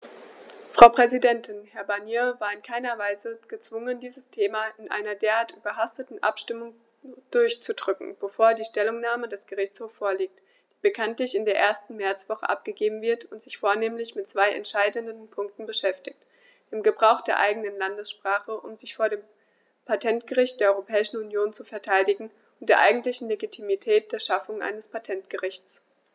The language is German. Frau Präsidentin, Herr Barnier war in keinerlei Weise gezwungen, dieses Thema in einer derart überhasteten Abstimmung durchzudrücken, bevor die Stellungnahme des Gerichtshofs vorliegt, die bekanntlich in der ersten Märzwoche abgegeben wird und sich vornehmlich mit zwei entscheidenden Punkten beschäftigt: dem Gebrauch der eigenen Landessprache, um sich vor dem Patentgericht der Europäischen Union zu verteidigen, und der eigentlichen Legitimität der Schaffung eines Patentgerichts.